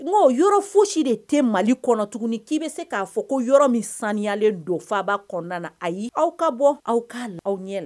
Yɔrɔ fosi de tɛ mali kɔnɔ tuguni k'i bɛ se k'a fɔ ko yɔrɔ min saniyalen donfaba kɔnɔna ayi aw ka bɔ aw ka la aw ɲɛ la